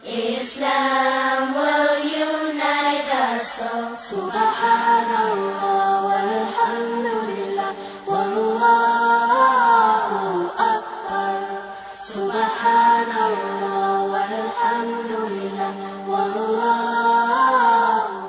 Miniyan mɔgɔ yo wa wa wa